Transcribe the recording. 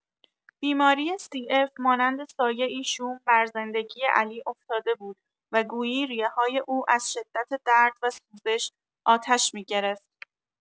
بیماری سی‌اف مانند سایه‌ای شوم بر زندگی علی افتاده بود و گویی ریه‌های او از شدت درد و سوزش آتش می‌گرفت.